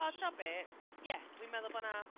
O timod be? Ie, wi'n meddwl bod 'na...